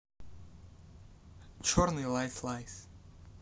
черный lies lies